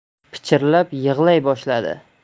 pichirlab yig'lay boshladi